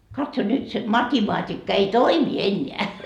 katso nyt se matematiikka ei toimi enää